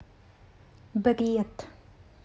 бред